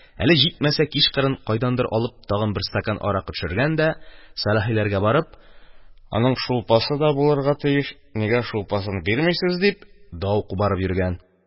Әле җитмәсә, кичкырын кайдандыр алып, тагын бер стакан аракы төшергән дә, Сәләхиләргә барып: «Аның шулпасы да булырга тиеш, нигә шулпасын бирмисез», – дип ду кубарып йөргән.